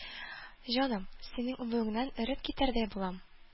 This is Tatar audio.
Җаным, синең үбүеңнән эреп китәрдәй булам.